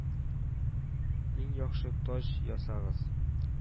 Иң яхшы таҗ ясагыз